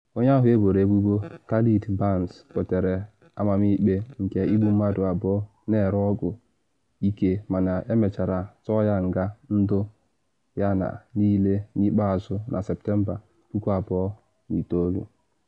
Onye ahụ eboro ebubo, Khalid Barnes, nwetara amamikpe nke igbu mmadu abụọ na ere ọgwụ ike mana emechara tụọ ya nga ndụ ya niile n’ikpeazụ na Septamba 2009.